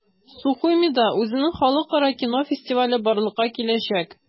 Сухумида үзенең халыкара кино фестивале барлыкка киләчәк.